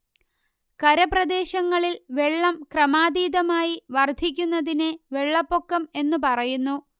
കരപ്രദേശങ്ങളിൽ വെള്ളം ക്രമാതീതമായി വർദ്ധിക്കുന്നതിനെ വെള്ളപ്പൊക്കം എന്നു പറയുന്നു